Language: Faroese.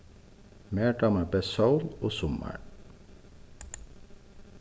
mær dámar best sól og summar